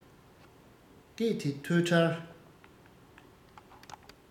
སྐད དེ ཐོས འཕྲལ